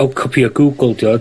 Ow, copïo Google 'di o...